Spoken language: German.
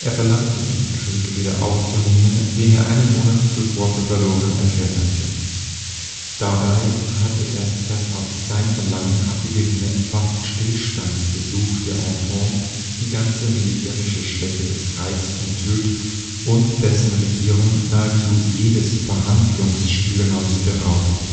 verlangte, den Krieg wieder aufzunehmen, den er einen Monat zuvor für verloren erklärt hatte. Dabei hatte erst das auf sein Verlangen abgegebene Waffenstillstandsgesuch der Entente die ganze militärische Schwäche des Reichs enthüllt und dessen Regierung nahezu jedes Verhandlungsspielraums beraubt